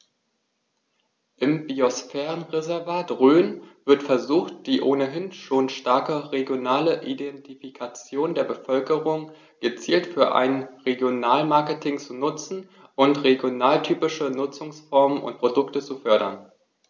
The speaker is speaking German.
Im Biosphärenreservat Rhön wird versucht, die ohnehin schon starke regionale Identifikation der Bevölkerung gezielt für ein Regionalmarketing zu nutzen und regionaltypische Nutzungsformen und Produkte zu fördern.